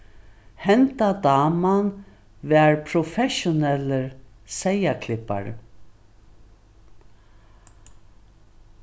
hendan daman var professionellur seyðaklippari